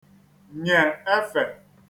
nyè efè